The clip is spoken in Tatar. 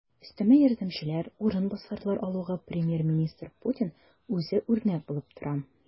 Өстәмә ярдәмчеләр, урынбасарлар алуга премьер-министр Путин үзе үрнәк булып тора.